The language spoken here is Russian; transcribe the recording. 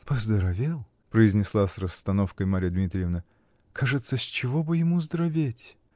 -- Поздоровел, -- произнесла с расстановкой Марья Дмитриевна, -- кажется, с чего бы ему здороветь?